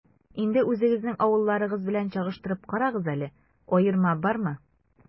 Инде үзегезнең авылларыгыз белән чагыштырып карагыз әле, аерма бармы?